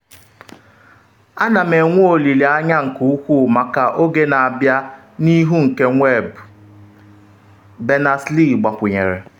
“A na m enwe olile anya nke ukwuu maka oge na-abịa n’ihu nke weebu,” Berners-Lee gbakwunyere.